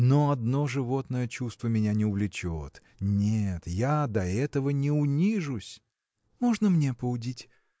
Но одно животное чувство меня не увлечет – нет я до этого не унижусь. – Можно мне поудить?